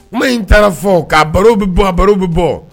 Kuma in taara fɔ ka a barow be bɔ a barow be bɔ